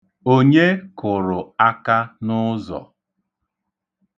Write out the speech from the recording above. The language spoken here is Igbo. Onye kụrụ aka n'ụzọ?